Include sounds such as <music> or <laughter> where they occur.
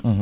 <hesitation> <hesitation>